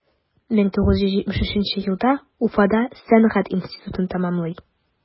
1973 елда уфада сәнгать институтын тәмамлый.